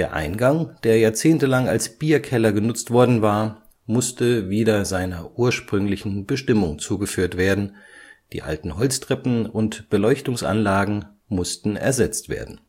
Eingang, der jahrzehntelang als Bierkeller genutzt worden war, musste wieder seiner ursprünglichen Bestimmung zugeführt werden, die alten Holztreppen und Beleuchtungsanlagen mussten ersetzt werden